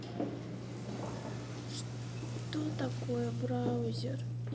что такое браузер